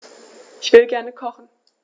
Ich will gerne kochen.